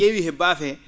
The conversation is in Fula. a ?eewii he baafe hee